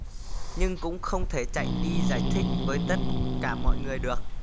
nhưng cũng không thể chạy đi giải thích với tất cả mọi người được